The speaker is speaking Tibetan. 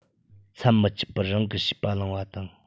མཚམས མི ཆད པར རང གི བྱིས པ གླེང བ དང